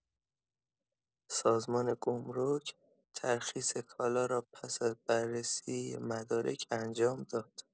سازمان گمرک ترخیص کالا را پس از بررسی مدارک انجام داد.